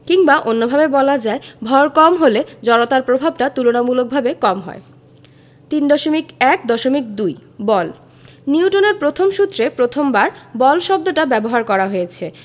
কিংবা অন্যভাবে বলা যায় ভর কম হলে জড়তার প্রভাবটা তুলনামূলকভাবে কম হয় 3.1.2 বল নিউটনের প্রথম সূত্রে প্রথমবার বল শব্দটা ব্যবহার করা হয়েছে